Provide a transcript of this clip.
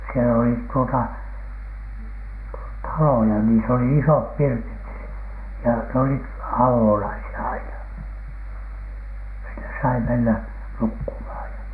siellä oli tuota taloja niissä oli isot pirtit - ja ne olivat avonaisia aina sinne sai mennä nukkumaan ja